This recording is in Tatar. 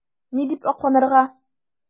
Ни дип акланырга?